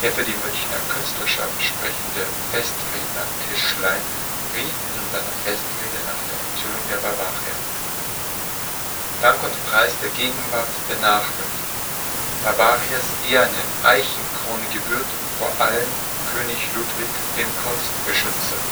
für die Münchner Künstlerschaft sprechende Festredner Tischlein rief in seiner Festrede nach der Enthüllung der Bavaria: „ Dank und Preis der Gegenwart, der Nachwelt, – Bavarias eh’ rne Eichenkrone gebührt vor Allen König Ludwig dem Kunstbeschützer